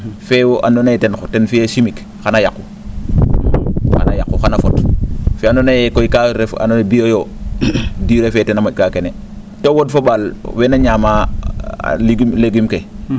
fee wo andoona yee ten ten fi'e chimique xana yaqu, xana yaqu, xana fot fee andoona yee kaa ref bio yoo durer fe tena mo?kaa kene too o wod fo o ?aal wee naa ñaamaa legume ke